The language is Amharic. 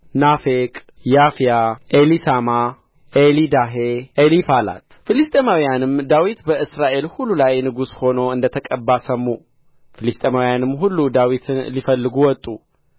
ናፌቅ ያፍያ ኤሊሳማ ኤሊዳሄ ኤሊፋላት ፍልስጥኤማውያንም ዳዊት በእስራኤል ሁሉ ላይ ንጉሥ ሆኖ እንደተቀባ ሰሙ ፍልስጥኤማውያንም ሁሉ ዳዊትን ሊፈልጉ ወጡ